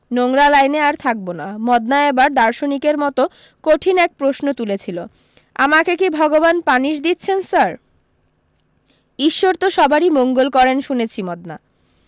নোংরা লাইনে আর থাকবো না মদনা এবার দার্শনিকের মতো কঠিন এক প্রশ্ন তুলেছিল আমাকে কী ভগবান পানিশ দিচ্ছেন স্যার ঈশ্বরতো সবারই মঙ্গল করেন শুনেছি মদনা